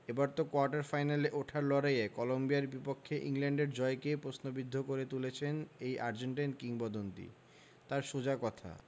এবার তো কোয়ার্টার ফাইনালে ওঠার লড়াইয়ে কলম্বিয়ার বিপক্ষে ইংল্যান্ডের জয়কেই প্রশ্নবিদ্ধ করে তুলেছেন এই আর্জেন্টাইন কিংবদন্তি তাঁর সোজা কথা